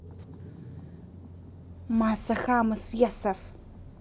масса хамас yussef